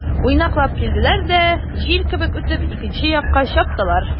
Уйнаклап килделәр дә, җил кебек үтеп, икенче якка чаптылар.